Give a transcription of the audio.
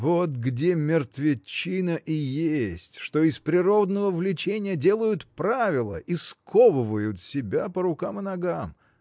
— Вот где мертвечина и есть, что из природного влечения делают правила и сковывают себя по рукам и ногам.